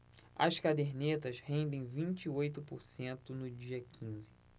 as cadernetas rendem vinte e oito por cento no dia quinze